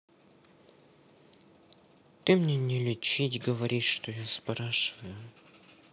ты мне не лечить говоришь что я спрашиваю